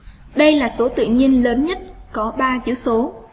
đây là số tự nhiên lớn nhất có chữ số